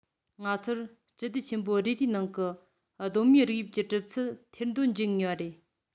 ང ཚོར སྤྱི སྡེ ཆེན པོ རེ རེའི ནང གི གདོད མའི རིགས དབྱིབས ཀྱི གྲུབ ཚུལ ཐེར འདོན བགྱི ངེས པ རེད